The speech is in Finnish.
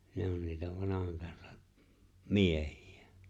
ne on niitä vanhan kansan miehiä